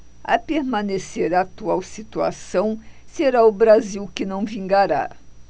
a permanecer a atual situação será o brasil que não vingará